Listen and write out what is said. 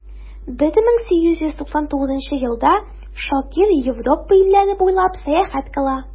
1899 елда шакир европа илләре буйлап сәяхәт кыла.